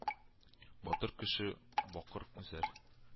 Батыр кеше бакыр өзәр